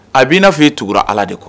A b' n'a fɔ ei tuguugura ala de kɔ